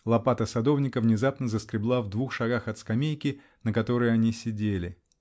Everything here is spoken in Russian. Лопата садовника внезапно заскребла в двух шагах от скамейки, на которой они сидели.